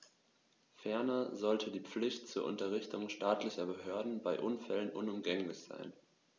Ferner sollte die Pflicht zur Unterrichtung staatlicher Behörden bei Unfällen unumgänglich sein.